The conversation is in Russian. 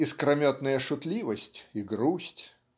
искрометная шутливость и грусть.